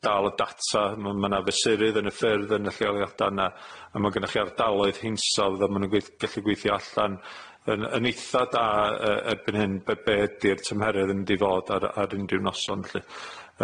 dal y data ma' ma' 'na fesurydd yn y ffyrdd yn y lleoliada' yna a ma' gynnoch chi ardaloedd hinsawdd a ma' n'w'n gweith- gellu gweithio allan yn yn eitha da yy erbyn hyn be' be' ydi'r tymheredd yn mynd i fod ar ar unrhyw noson lly.